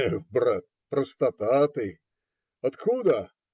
- Эх, брат, простота ты! Откуда?